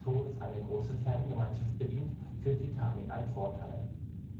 Todes eine große Fangemeinschaft bedient – für Titanic ein Vorteil.